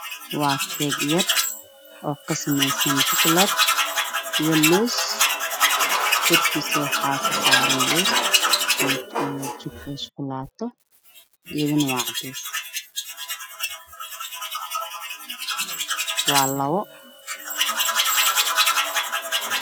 Waa keeg yar oo kasameysan jukuleed iyo loows oo korkiisa saaran iyo shukulaato cadeys ah waa labo.